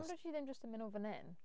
Pam dwyt ti ddim jyst yn mynd o fan hyn?